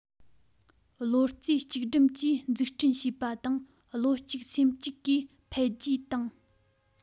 བློ རྩེ གཅིག སྒྲིམ གྱིས འཛུགས སྐྲུན བྱས པ དང བློ གཅིག སེམས གཅིག གིས འཕེལ རྒྱས བཏང